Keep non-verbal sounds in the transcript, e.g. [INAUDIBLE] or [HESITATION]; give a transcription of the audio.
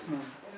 [HESITATION]